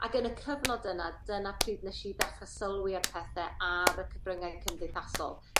Ag yn y cyfnod yna dyna pryd nesh i dechre sylwi a'r pethe ar y cyfryngau cymdeithasol.